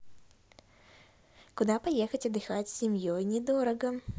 куда поехать отдыхать семьей недорого